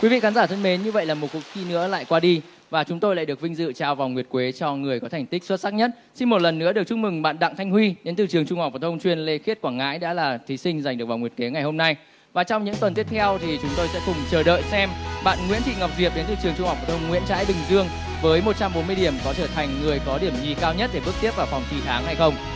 quý vị khán giả thân mến như vậy là một cuộc thi nữa lại qua đi và chúng tôi lại được vinh dự trao vòng nguyệt quế cho người có thành tích xuất sắc nhất xin một lần nữa được chúc mừng bạn đặng thanh huy đến từ trường trung học phổ thông chuyên lê khiết quảng ngãi đã là thí sinh giành được vòng nguyệt quế ngày hôm nay và trong những tuần tiếp theo thì chúng tôi sẽ cùng chờ đợi xem bạn nguyễn thị ngọc diệp đến từ trường trung học phổ thông nguyễn trãi bình dương với một trăm bốn mươi điểm có trở thành người có điểm nhì cao nhất để bước tiếp vào vòng thi tháng hay không